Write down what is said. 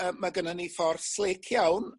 yy ma' gynno ni ffor slic iawn